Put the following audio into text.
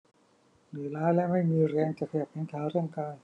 เหนื่อยล้าและไม่มีแรงจะขยับแขนขาร่างกาย